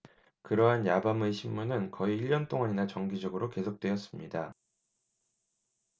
그러한 야밤의 심문은 거의 일년 동안이나 정기적으로 계속되었습니다